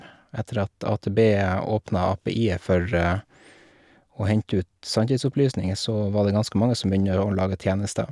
Etter at AtB åpna API-et for å hente ut sanntidsopplysninger, så var det ganske mange som begynner å lage tjenester.